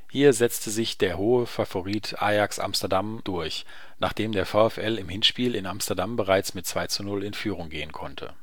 Hier setzte sich der hohe Favorit Ajax Amsterdam durch, nachdem der VfL im Hinspiel in Amsterdam bereits mit 2:0 in Führung gehen konnte